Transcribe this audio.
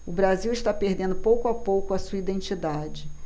o brasil está perdendo pouco a pouco a sua identidade